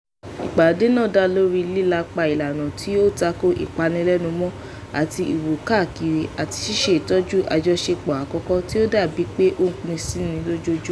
Ìpàdé náà dá lórí lílépa ìlànà tí ó tako ìpanilẹ́numọ́ àti ìwò káàkiri, àti ṣíṣe ìtọ́jú àjọṣepọ̀ àkókò tí ó ń dà bí pé ó ń pín sí í ní ojoojúmọ́.